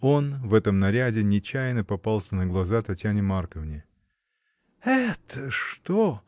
Он, в этом наряде, нечаянно попался на глаза Татьяне Марковне. — Это что!